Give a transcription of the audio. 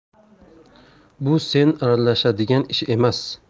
bu sen aralashadigan ish emas